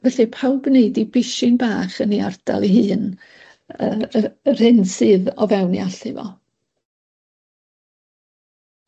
Felly pawb yn neud 'i bishyn bach yn 'i ardal 'i hun yy y yr hyn sydd o fewn 'i allu fo.